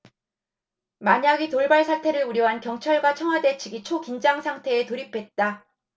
만약의 돌발 사태를 우려한 경찰과 청와대 측이 초긴장상태에 돌입했다